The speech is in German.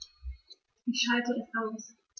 Ich schalte es aus.